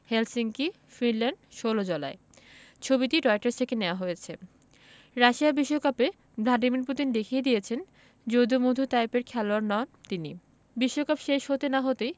Helsinki Finland ১৬ July ছবিটি Reuters থেকে নেয়া হয়েছে রাশিয়া বিশ্বকাপে ভ্লাদিমির পুতিন দেখিয়ে দিয়েছেন যদু মধু টাইপের খেলোয়াড় তিনি নন বিশ্বকাপ শেষে হতে না হতেই